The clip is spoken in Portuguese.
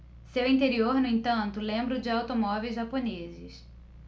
seu interior no entanto lembra o de automóveis japoneses